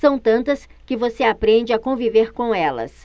são tantas que você aprende a conviver com elas